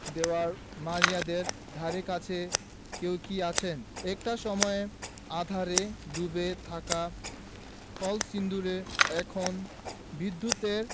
দেওয়ায় মারিয়াদের ধারেকাছে কেউ কি আছেন একটা সময়ে আঁধারে ডুবে থাকা কলসিন্দুর এখন বিদ্যুতের